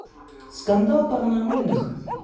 скандал паранормальных